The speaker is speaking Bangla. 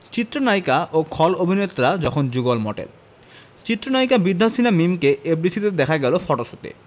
চিত্রনায়িকা ও খল অভিনেতা যখন যুগল মডেল চিত্রনায়িকা বিদ্যা সিনহা মিমকে এফডিসিতে দেখা গেল ফটোশুটে